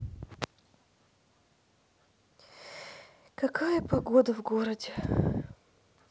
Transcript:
какая погода в городе